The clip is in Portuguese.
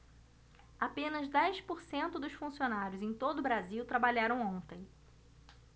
apenas dez por cento dos funcionários em todo brasil trabalharam ontem